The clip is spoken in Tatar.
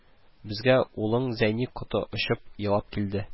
Безгә улың Зәйни коты очып елап килде